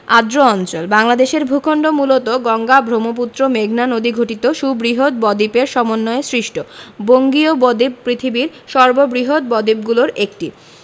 আর্দ্র অঞ্চল বাংলাদেশের ভূখন্ড মূলত গঙ্গা ব্রহ্মপুত্র মেঘনা নদীগঠিত সুবৃহৎ বদ্বীপের সমন্বয়ে সৃষ্ট বঙ্গীয় বদ্বীপ পৃথিবীর সর্ববৃহৎ বদ্বীপগুলোর একটি